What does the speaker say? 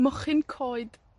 Mochyn coed